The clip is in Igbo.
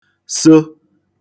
so